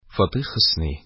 Фатих Хөсни